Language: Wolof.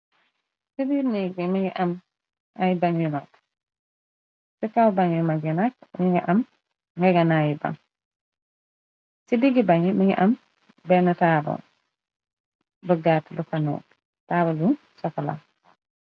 Si biirneegi mingi am ay ban yu mag ci kaw ban yu mag yi nakk mungi aggn bag ba mingi am benne taabal bogaat lu fanoob taabalu sokola.